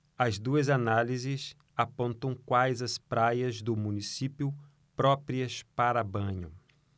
as duas análises apontam quais as praias do município próprias para banho